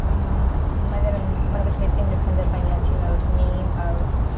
yym ma' ddim yn ma' n'w gallu neud unryw penderfyniad you know os ni fel